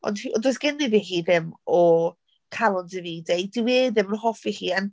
Ond h- does ganddi hi ddim o calon Davide. Dyw e ddim yn hoffi hi.